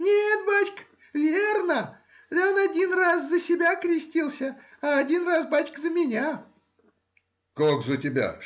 — Нет, бачка, верно: он один раз за себя крестился, а один раз, бачка, за меня. — Как за тебя?